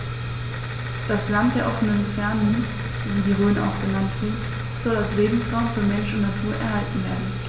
Das „Land der offenen Fernen“, wie die Rhön auch genannt wird, soll als Lebensraum für Mensch und Natur erhalten werden.